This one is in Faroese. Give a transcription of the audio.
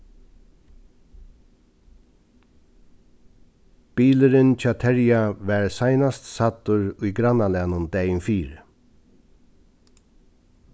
bilurin hjá terja varð seinast sæddur í grannalagnum dagin fyri